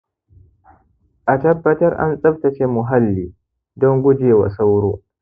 a tabbatar an tsaftace muhalli don gujewa wa sauro.